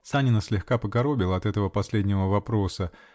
Санина слегка покоробило от этого последнего вопроса.